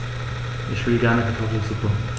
Ich will gerne Kartoffelsuppe.